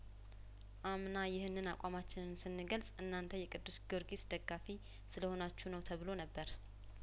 አምና ይህንን አቋማችንን ስንገልጽ እናንተ የቅዱስ ጊዮርጊስ ደጋፊ ስለሆናችሁ ነው ተብሎ ነበር